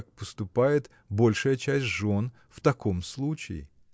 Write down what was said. как поступает большая часть жен в таком случае.